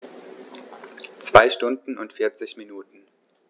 2 Stunden und 40 Minuten